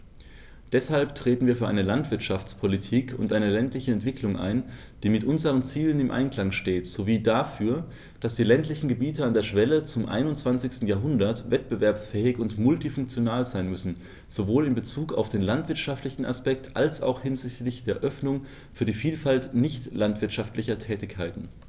Deshalb treten wir für eine Landwirtschaftspolitik und eine ländliche Entwicklung ein, die mit unseren Zielen im Einklang steht, sowie dafür, dass die ländlichen Gebiete an der Schwelle zum 21. Jahrhundert wettbewerbsfähig und multifunktional sein müssen, sowohl in bezug auf den landwirtschaftlichen Aspekt als auch hinsichtlich der Öffnung für die Vielfalt nicht landwirtschaftlicher Tätigkeiten.